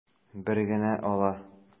Бер генә ала.